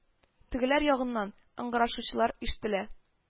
Тегеләр ягыннан ыңгырашулар ишетелә